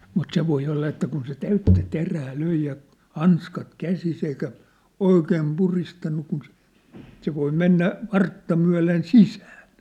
mutta se voi olla että kun se täyttä terää löi ja hanskat käsissä eikä oikein puristanut kun se se voi mennä vartta myöten sisään